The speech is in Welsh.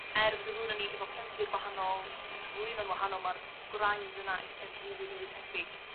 er fod y ddwy 'nnon ni efo cefndir gwahanol yn cyflwyno'n wahanol ma'r gwraidd yna eith- yn rili rili tebyg.